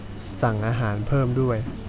สั่งอาหารเพิ่มด้วย